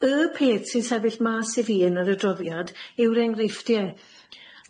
Y peth sy'n sefyll mas i fi yn yr adroddiad yw'r enghreifftie,